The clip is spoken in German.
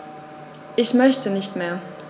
Ich möchte nicht mehr.